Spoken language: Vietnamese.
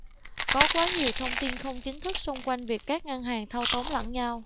có quá nhiều thông tin không chính thức xung quanh việc các ngân hàng thâu tóm lẫn nhau